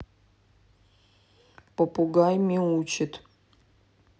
попугай мяучит